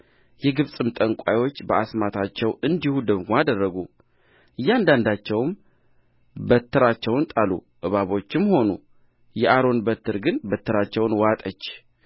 የግብፅም ጠንቋዮች በአስማታቸው እንዲሁ ደግሞ አደረጉ እያንዳንዳቸውም በትራቸውን ጣሉ እባቦችም ሆኑ የአሮን በትር ግን በትራቸውን ዋጠች